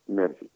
merci